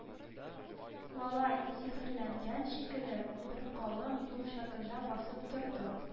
Малай, сихерләнгән шикелле, беркавым юл чатында басып торды,